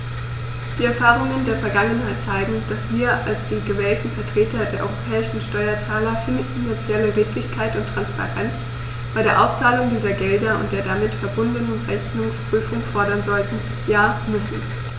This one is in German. Die Erfahrungen der Vergangenheit zeigen, dass wir als die gewählten Vertreter der europäischen Steuerzahler finanzielle Redlichkeit und Transparenz bei der Auszahlung dieser Gelder und der damit verbundenen Rechnungsprüfung fordern sollten, ja müssen.